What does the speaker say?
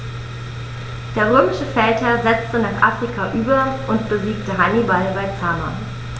Der römische Feldherr setzte nach Afrika über und besiegte Hannibal bei Zama.